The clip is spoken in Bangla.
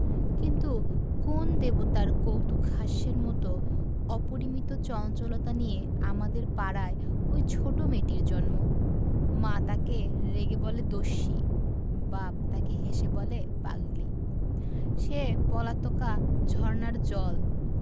কিন্তু কোন দেবতার কৌতূকহাস্যের মত অপরিমিত চঞ্চলতা নিয়ে আমাদের পাড়ায় ঐ ছোট মেয়েটির জন্ম মা তাকে রেগে বলে দস্যি বাপ তাকে হেসে বলে পাগলি সে পলাতকা ঝরনার জল